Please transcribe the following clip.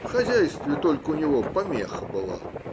В хозяйстве только у него помеха была